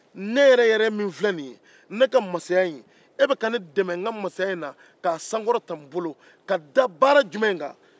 e bɛ ka ne dɛmɛ ka n ka masaya in sankɔrɔta n bolo k'a da kun jumɛn kan